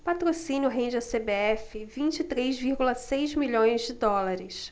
patrocínio rende à cbf vinte e três vírgula seis milhões de dólares